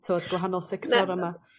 t'wod gwahanol sectora 'ma.